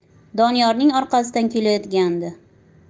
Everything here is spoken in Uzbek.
doniyorning orqasidan kelayotgandi